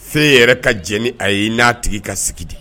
Fɛn yɛrɛ ka jeni a ye n'a tigi ka sigi di